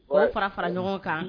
O fara fara ɲɔgɔn kan